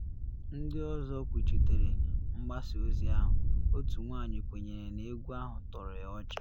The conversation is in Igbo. Ndị ọzọ kwuchitere mgbasa ozi ahụ, otu nwanyị kwenyere na egwu ahụ tọrọ ya “ọchị.”